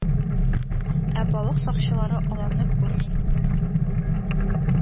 Ә балык сакчылары аларны күрми